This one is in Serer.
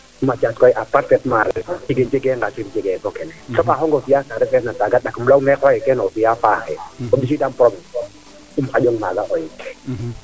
Mathias a parfaitement raison tige jege ngasir jege kene fo kene soɓa xongo fiya kaa refeer na kaaga ndat o leye qoye kene o fiya faaxe o mbisi daam probleme im xaƴong maaga xoyit